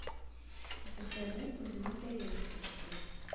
Зөһрәнең үзенең дә елыйсы килде